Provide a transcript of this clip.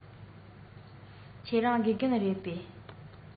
ཁྱེད རང དགེ རྒན རེད པས